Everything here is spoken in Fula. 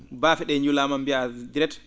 baafe ?ee njulaama mbiyaa direct